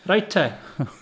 Reit, te.